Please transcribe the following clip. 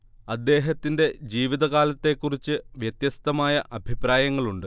അദ്ദേഹത്തിന്റെ ജീവിതകാലത്തെക്കുറിച്ച് വ്യത്യസ്തമായ അഭിപ്രായങ്ങളുണ്ട്